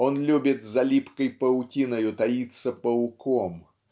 он любит за липкой паутиною таиться пауком